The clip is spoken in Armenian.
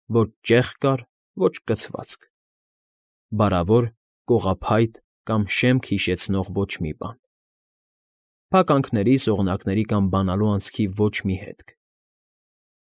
Ոչ ճեղք կար, ոչ կցվածք, բարավոր, կողափայտ կամ շեմք հիշեցնող ոչ մի բան, փականքների, սողնակների կամ բանալու անցքի ոչ մի հետք։